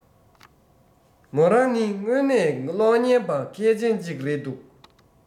མོ རང ནི སྔོན ནས གློག སྙན པ མཁས ཅན ཅིག རེད འདུག